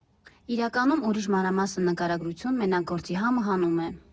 Իրականում ուրիշ մանրամասն նկարագրություն մենակ գործի համը հանում է։